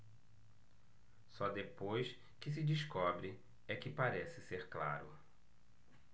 só depois que se descobre é que parece ser claro